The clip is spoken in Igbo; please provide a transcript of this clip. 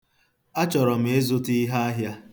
Achọrọ m ịzụta iheahịa.